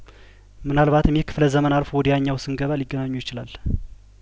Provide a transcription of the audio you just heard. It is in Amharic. ምናልባትም ይህ ክፍለዘመን አልፎ ወዲያኛው ስንገባ ሊገናኙ ይችላል